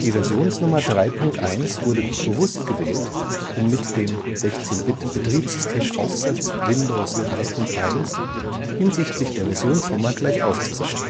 Versionsnummer 3.1 wurde bewusst gewählt, um mit dem 16-Bit-Betriebssystemaufsatz Windows 3.1 hinsichtlich der Versionsnummer gleichauf zu sein